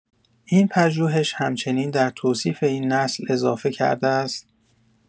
این پژوهش همچنین در توصیف این نسل اضافه کرده است